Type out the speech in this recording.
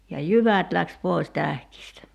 ja jyvät lähti pois tähkistä